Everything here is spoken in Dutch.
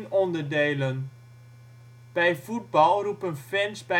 onderdelen. Bij voetbal roepen fans